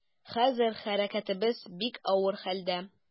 Хәзер хәрәкәтебез бик авыр хәлдә.